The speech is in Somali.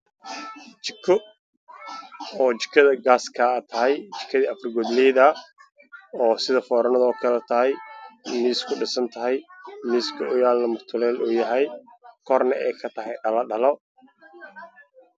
Waajikada cuntada lagu kalsoon oo u sameysan qaabka foornada waxa ay leedahay